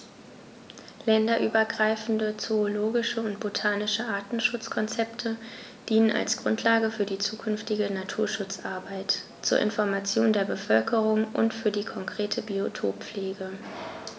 Länderübergreifende zoologische und botanische Artenschutzkonzepte dienen als Grundlage für die zukünftige Naturschutzarbeit, zur Information der Bevölkerung und für die konkrete Biotoppflege.